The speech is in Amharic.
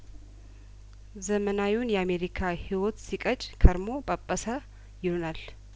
ዘመናዊውን የአምሪካ ሂዎት ሲቀጭ ከርሞ ጰጰሰ ይሉናል